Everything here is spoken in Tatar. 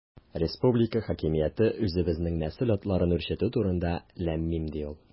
Республика хакимияте үзебезнең нәсел атларын үрчетү турында– ләм-мим, ди ул.